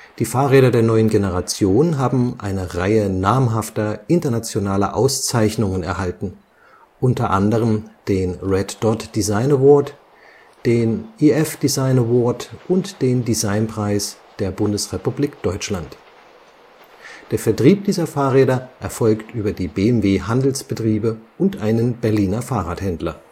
Die Fahrräder der neuen Generation haben eine Reihe namhafter internationaler Auszeichnungen erhalten, u. a. den red dot design award, den iF Design Award und den Designpreis der Bundesrepublik Deutschland. Der Vertrieb dieser Fahrräder erfolgt über die BMW Handelsbetriebe und einen Berliner Fahrradhändler